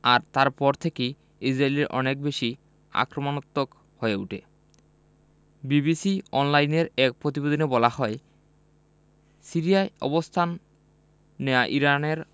আর তারপর থেকেই ইসরায়েল অনেক বেশি আক্রমণাত্মক হয়ে ওঠে বিবিসি অনলাইনের এক প্রতিবেদনে বলা হয় সিরিয়ায় অবস্থান নেওয়া ইরানের